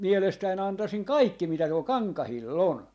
mielestäni antaisin kaikki mitä tuolla kankailla on